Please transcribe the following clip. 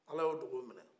ala y'o duwawu minɛ